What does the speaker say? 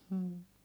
mm